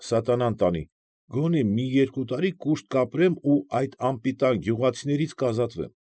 Սատանան տանի, գոնե մի երկու տարի կուշտ կապրեմ ու այդ անպիտան գյուղացիներից կազատվեմ։